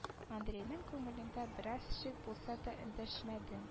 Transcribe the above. Андрейның күңелендә бераз шик булса да эндәшмәде